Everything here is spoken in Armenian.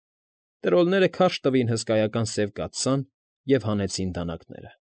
Տրոլները քարշ տվին հսկայական սև կաթսան և հանեցին դանակները։ ֊